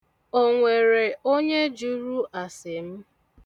Ọ na-ajụ ase unu oge ọbụla.